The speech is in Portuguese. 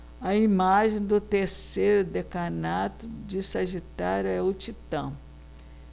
a imagem do terceiro decanato de sagitário é o titã